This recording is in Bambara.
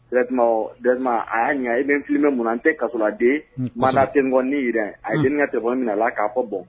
Tuma d a y'a ɲɛ i min filili bɛ mun an tɛ ka aden mana tɛɔni yɛrɛ a ye tɛ mina na a k'a fɔ bɔn